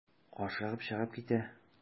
Ашыгып чыгып китә.